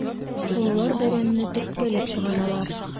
Коллар бәрәнне төрткәләп чыгаралар.